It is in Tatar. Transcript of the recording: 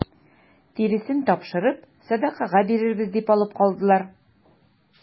Тиресен тапшырып сәдакага бирәбез дип алып калдылар.